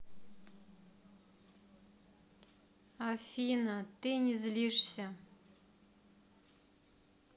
афина ты не злишься